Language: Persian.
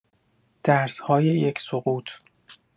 درس‌های یک سقوط